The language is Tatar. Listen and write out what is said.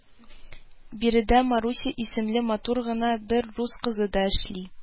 Биредә Маруся исемле матур гына бер рус кызы да эшли